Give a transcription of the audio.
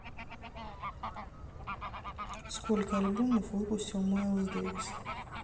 сколько альбомов выпустил майлз дэвис